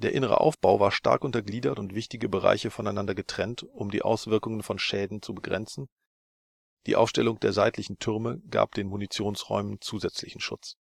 innere Aufbau war stark untergliedert und wichtige Bereiche voneinander getrennt, um die Auswirkungen von Schäden begrenzen zu können. Die Aufstellung der seitlichen Türme gab den Munitionsräumen dabei einen zusätzlichen Schutz